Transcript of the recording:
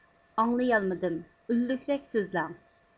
ئاڭلىيالمىدىم ئۈنلۈكرەك سۆزلەڭ